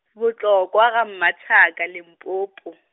Botlokwa ga Mathaka Limpopo.